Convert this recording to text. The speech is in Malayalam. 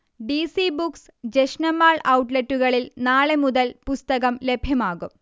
ഡി. സി ബുക്സ്, ജഷന്മാൾ ഔട്ട്ലെറ്റുകളിൽ നാളെ മുതൽ പുസ്തകം ലഭ്യമാകും